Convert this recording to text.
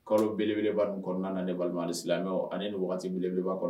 Kalo beleba kɔnɔna na, ne baden alisilamɛ ani ni waati belebeleba kɔnɔ.